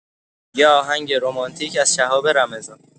یه آهنگ رمانتیک از شهاب رمضان